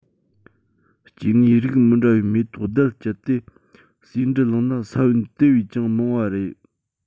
སྐྱེ དངོས རིགས མི འདྲ བའི མེ ཏོག རྡུལ སྤྱད དེ ཟེའུ འབྲུ བླངས ན ས བོན དེ བས ཀྱང མང བ རེད